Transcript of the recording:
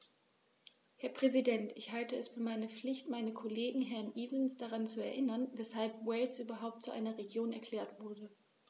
Herr Präsident, ich halte es für meine Pflicht, meinen Kollegen Herrn Evans daran zu erinnern, weshalb Wales überhaupt zu einer Region erklärt wurde.